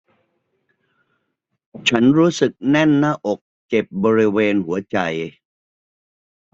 ฉันรู้สึกแน่นหน้าอกเจ็บบริเวณหัวใจ